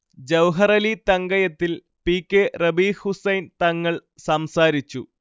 ജൗഹറലി തങ്കയത്തിൽ, P K Rabeeh Hussain Thangal സംസാരിച്ചു